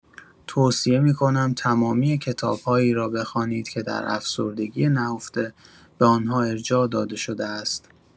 توصیه می‌کنم تمامی کتاب‌هایی را بخوانید که در افسردگی نهفته به آن‌ها ارجاع داده شده است.